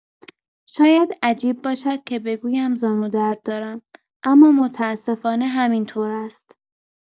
شاید عجیب باشد که بگویم زانودرد دارم، اما متاسفانه همین طور است.